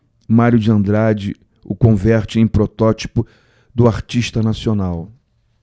mário de andrade o converte em protótipo do artista nacional